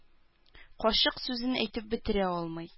Карчык сүзен әйтеп бетерә алмый.